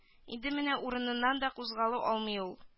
Инде менә урыныннан да кузгала алмый ул